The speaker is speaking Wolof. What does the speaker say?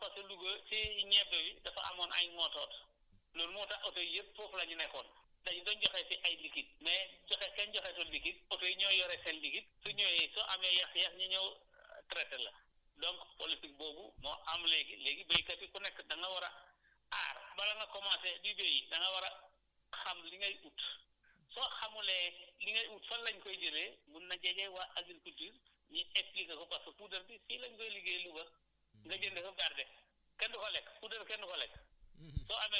parce que Louga la amoon parce que Louga si ñebe yi dafa amoon ay ŋootoot loolu moo tax oto yëpp foofu la énu nekkoon dañu doon joxe si ay liquide mais joxe kenn joxeetul liquide oto yi énoo yore seen liquide su ñëwee su amee yéex yéex ñu ñëw traité la ko donc politique boobu moo am léegi léegi béykat yi ku nekk da nga war a aar bala nga commencer di béy da nga war a xam li ngay ut soo xamulee li ngay ut fan la ñu koy jëlee mun na jege waa agriculture ñu expliquer ko parce que puudar bi fii la ñu koy liggéeyee Louga nga jënd ko garder kenn du ko lekk puudar kenn du ko lekk